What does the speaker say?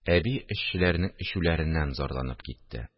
Әби эшчеләрнең эчүләреннән зарланып китте